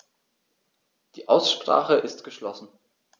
Die Aussprache ist geschlossen.